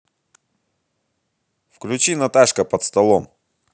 включи наташка под столом